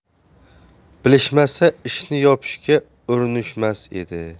bilishmasa ishni yopishga urinishmas edi